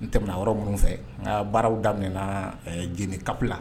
N tɛmɛna yɔrɔ minnu fɛ n ka baaraw daminɛna Jɛnɛ CAP la